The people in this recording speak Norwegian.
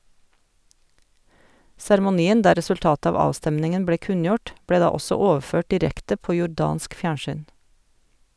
Seremonien der resultatet av avstemningen ble kunngjort, ble da også overført direkte på jordansk fjernsyn.